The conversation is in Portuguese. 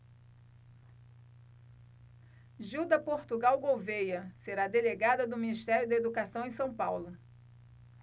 gilda portugal gouvêa será delegada do ministério da educação em são paulo